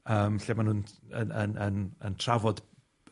yym lle ma' nw'n yn yn yn yn trafod